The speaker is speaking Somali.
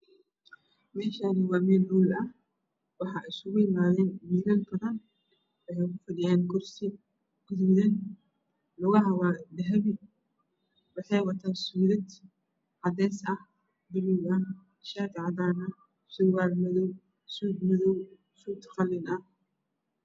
Meeahani waa hool ah waxaa isugu yimaaday will badan waxay kufadhiya kursi gududan lagaha waa dahabi waxay wataan sudad cad cad surwal madaw